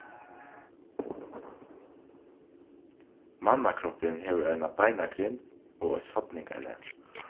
mannakroppurin hevur eina beinagrind og eitt sodningarlag